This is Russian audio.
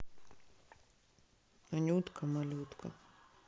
анютка малютка